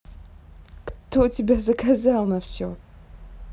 кто тебя заказал на все